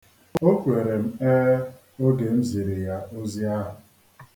O kwere m ee oge m ziri ya ozi ahụ.